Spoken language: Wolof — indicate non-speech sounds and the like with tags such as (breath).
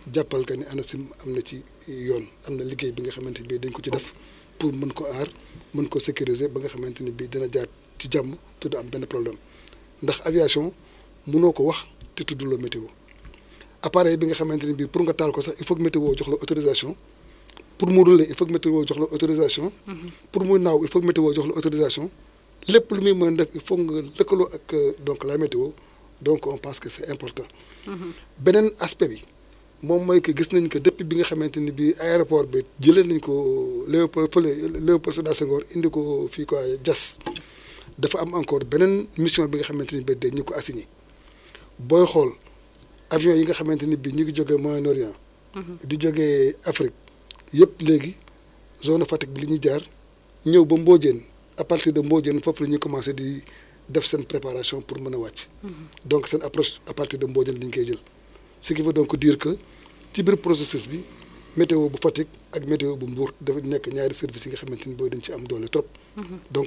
départemental du développement rural ñuy waxtaanee rek lii di (hesitation) prévision climatique yi fa lañ ci toll moom la ñuy daal di tënk rek ànd ci ak (breath) ñi nga xamante ne ñoom ñoo dooleel (hesitation) lii di émission bi partenaires ya ñu ca àndal (hesitation) di (coughs) (hesitation) projet 4R du PAM muy (hesitation) programme alimentaire modial lañ ciy àndal énu financé ko nag (hesitation) par le fond vert climat (breath) ak ñii nga xamante ne ñoom ñooy waa Jokalante di gërëm rek ñii nga xamante ne ñoom ñooy partenaire yi waaye également di gërëm suñuy parteneires ñun rajo Ndefleng FM Fatick (breath) waa météo di rek (hesitation) wéyal rek li nga xamante ni moom mooy émission bi (breath) dikkaat nag (hesitation) ci Pape Khoulé mi fi teewal waa (breath) service départemental du développement rural (breath) tey jii (hesitation) Pape dégg nga fi nga xamante ne Maodo foofu la waxee moom mi fi teewal waa ANACIM (breath) tey jii ci wàllu producteurs yi muy maanaam éni nga xamante ne ñoom ñooy béykat yi pour ñu mën a nag (hesitation) def rek li nga xamante ne moom mooy faire face bu ñu ko mënee tënke noonu ci kallaamay rek tubaab (hesitation) ci situation changement climatique yi tey naka la ñu ko war a mun a jëlee